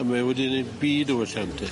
A mae e wedi neud byd o welliant 'di?